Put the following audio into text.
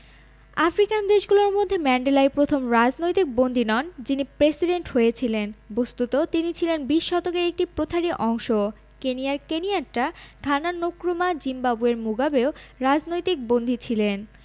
African দেশগুলোর মধ্যে ম্যান্ডেলাই প্রথম রাজনৈতিক বন্দী নন যিনি প্রেসিডেন্ট হয়েছিলেন বস্তুত তিনি ছিলেন বিশ শতকের একটি প্রথারই অংশ কেনিয়ার কেনিয়াট্টা ঘানার নক্রুমা জিম্বাবুয়ের মুগাবেও রাজনৈতিক বন্দী ছিলেন